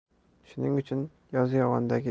shuning uchun yozyovondagi